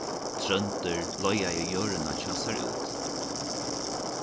tróndur leigaði jørðina hjá sær út